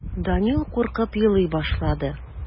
Данил куркып елый башлый.